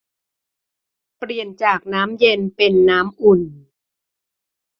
เปลี่ยนจากน้ำเย็นเป็นน้ำอุ่น